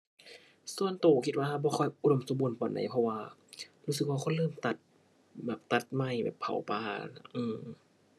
ส่วนตัวคิดว่าบ่ค่อยอุดมสมบูรณ์ปานใด เพราะว่า รู้สึกว่าคนเริ่มตัด แบบ ตัดไม้ เผาป่า เออ